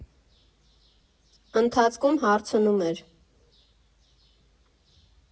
Ընթացքում հարցնում էր.